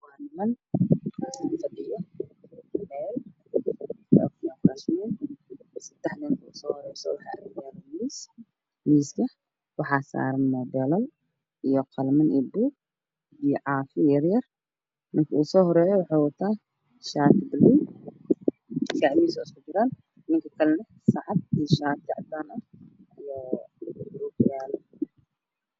Waxaa ii muuqda niman ku fadhiya kuraas waxa ay nootaan shaarar iyo surwaalo waxa ayna fiirinayaan qofka hadlaya